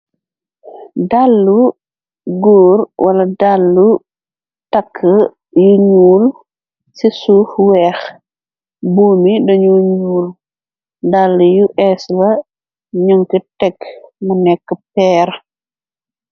Dàllu góore wala dàllu takke yu ñuul ci suuf weex buumi dañu ñuul dàll yu eesla ñonki tekk mu nekke peer.